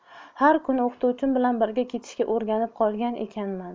har kuni o'qituvchim bilan birga ketishga o'rganib qolgan ekanman